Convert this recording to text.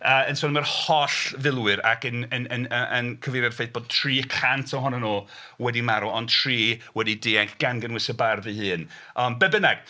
Yy yn sôn am yr holl filwyr ac yn yn yn yy yn cyfeirio at y ffaith bod tri cant ohonyn nhw wedi marw. Ond tri wedi dianc gan gynnwys y bardd ei hyn, ond be bynnag.